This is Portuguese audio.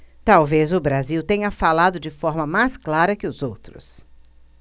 talvez o brasil tenha falado de forma mais clara que os outros